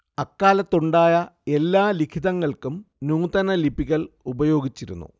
അക്കാലത്തുണ്ടായ എല്ലാ ലിഖിതങ്ങൾക്കും നൂതന ലിപികൾ ഉപയോഗിച്ചിരുന്നു